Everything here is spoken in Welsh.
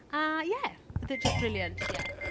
A, ie. Roedd e jyst briliant, ie.